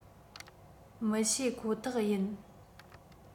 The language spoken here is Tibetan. མི ཤེས ཁོ ཐག ཡིན